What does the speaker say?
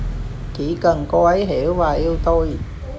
chỉ cần cô ấy hiểu và yêu tôi